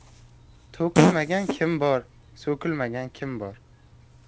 to'kilmagan kim bor so'kilmagan kim bor